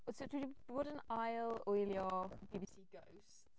So dwi 'di bod yn ail wylio BBC Ghosts